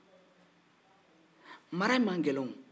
mara man gɛlɛn o